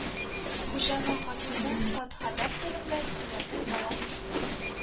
Хуҗаның хатыны хат-хәбәр турында сөйләргә дәвам итте